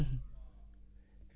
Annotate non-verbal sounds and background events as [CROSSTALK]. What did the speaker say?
[HESITATION] [HESITATION]